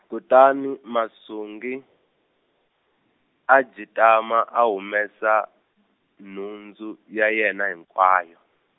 kutani Masungi, a jitama a humesa, nhundzu ya yena hinkwayo.